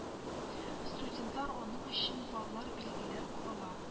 Студентлар аның очен баллар билгеләр ала